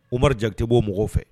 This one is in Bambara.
Uba jatebo mɔgɔw fɛ